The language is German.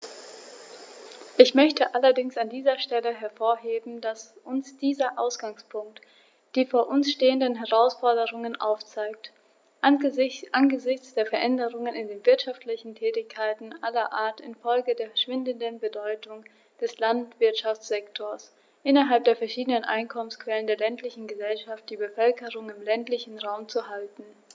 Ich möchte allerdings an dieser Stelle hervorheben, dass uns dieser Ausgangspunkt die vor uns stehenden Herausforderungen aufzeigt: angesichts der Veränderungen in den wirtschaftlichen Tätigkeiten aller Art infolge der schwindenden Bedeutung des Landwirtschaftssektors innerhalb der verschiedenen Einkommensquellen der ländlichen Gesellschaft die Bevölkerung im ländlichen Raum zu halten.